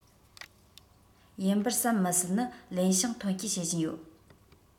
ཡིན པར བསམ མི སྲིད ནི ལེན ཞང ཐོན སྐྱེད བྱེད ཀྱི ཡོད